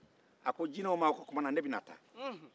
a ko jinɛw ma ko ne bɛna taa